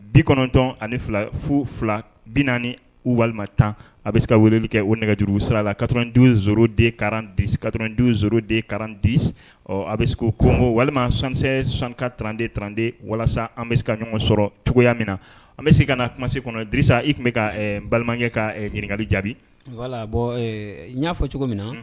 Bi kɔnɔntɔn ani fila fu fila bi naani u walima tan a bɛ se ka weleli kɛ o nɛgɛjuru sira la katdiden katdizden karandi ɔ a bɛ se kogo walima sankisɛ sankaranden tranden walasa an bɛ se ka ɲɔgɔn sɔrɔcogo cogoya min na an bɛ se ka na kuma se kɔnɔ disa i tun bɛ balimakɛ ka ɲininkakali jaabi wala y'a fɔ cogo min na